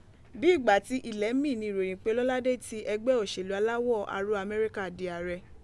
Bi igba ti ilẹ mi ni iroyin pe Lọ́ládé ti ẹgbẹ oṣelu Aláwọ̀ Aró Amerika di aarẹ.